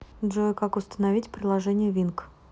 джой как установить приложение wink